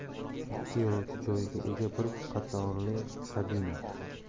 ikki yo'lovchi joyiga ega bir qatorli kabina